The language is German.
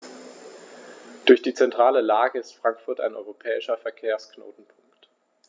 Durch die zentrale Lage ist Frankfurt ein europäischer Verkehrsknotenpunkt.